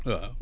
waaw